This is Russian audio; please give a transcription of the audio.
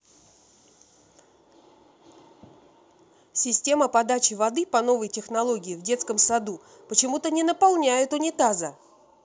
система подачи воды по новой технологии в детском саду почему не наполняет унитаза